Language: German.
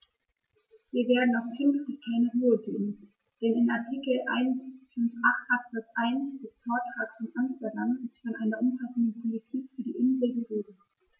Wir werden auch künftig keine Ruhe geben, denn in Artikel 158 Absatz 1 des Vertrages von Amsterdam ist von einer umfassenden Politik für die Inseln die Rede.